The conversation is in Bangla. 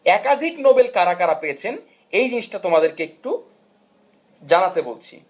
একাধিক নোবেল কারা কারা পেয়েছেন এ জিনিসটা একটু তোমাদেরকে জানাতে বলছি